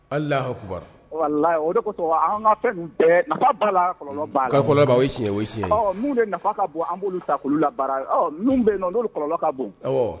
Alahaku o de ko tɔgɔ an fɛnlɔn si de nafa ka bon an b' la yen n'lɔn ka bon